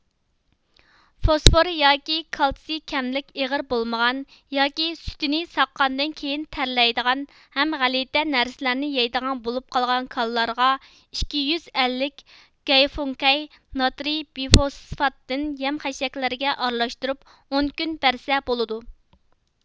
فوسفور ياكى كالتسىي كەملىك ئېغىر بولمىغان ياكى سۈتىنى ساغقاندىن كېيىن تەرلەيدىغان ھەم غەلىتە نەرسىلەرنى يەيدىغان بولۇپ قالغان كالىلارغا ئىككى يۈز ئەللىك گەيفۇڭگەي ناترىي بىفوسفاتتىن يەم خەشەكلىرىگە ئارىلاشتۇرۇپ ئون كۈن بەرسە بولىدۇ